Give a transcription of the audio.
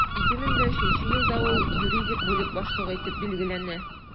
2003 елда ул юридик бүлек башлыгы итеп билгеләнә.